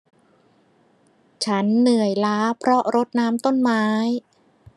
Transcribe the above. ฉันเหนื่อยล้าเพราะรดน้ำต้นไม้